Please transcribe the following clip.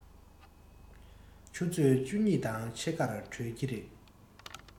ཆུ ཚོད བཅུ གཉིས དང ཕྱེད ཀར གྲོལ གྱི རེད